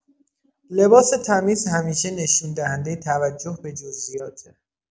لباس تمیز همیشه نشون‌دهندۀ توجه به جزییاته.